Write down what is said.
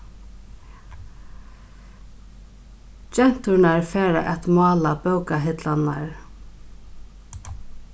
genturnar fara at mála bókahillarnar